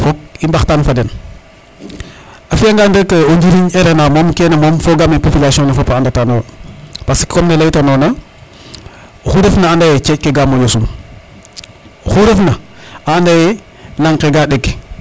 fook i mbaxtan fa den a fiya ngan rek o njiriñ RNA moom fogame population ne fop a anda tano yo parce que comme ne leyta nona oxu refna anda ye ceƴke ga moƴo sum axu refna a anda ye laŋke ga ɗeg